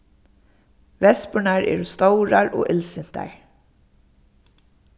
vespurnar eru stórar og illsintar